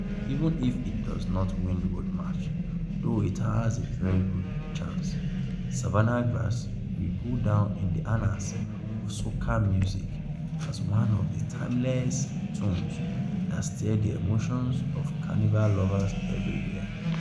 Even if it does not win Road March (though it has a very good chance!), "Savannah Grass" will go down in the annals of soca music as one of the timeless tunes that stir the emotions of Carnival lovers everywhere.